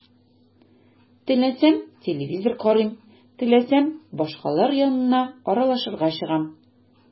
Теләсәм – телевизор карыйм, теләсәм – башкалар янына аралашырга чыгам.